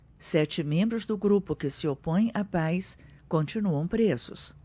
sete membros do grupo que se opõe à paz continuam presos